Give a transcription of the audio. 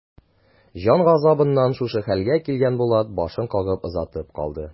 Җан газабыннан шушы хәлгә килгән Булат башын кагып озатып калды.